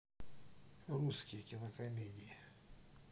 русские кинокомедии